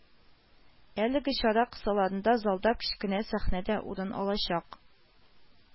Әлеге чара кысаларында залда кечкенә сәхнә дә урын алачак